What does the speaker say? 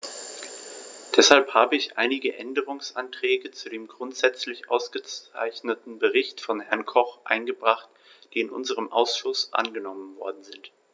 Deshalb habe ich einige Änderungsanträge zu dem grundsätzlich ausgezeichneten Bericht von Herrn Koch eingebracht, die in unserem Ausschuss angenommen worden sind.